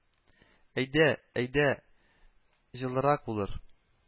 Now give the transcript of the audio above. Әйдә, әйдә, җылырак булыр